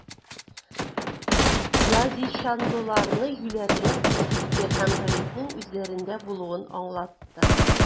Лозищанлыларны юләрләр дип сүкте һәм гаепнең үзләрендә булуын аңлатты.